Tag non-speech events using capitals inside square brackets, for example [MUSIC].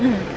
[HESITATION] [HESITATION]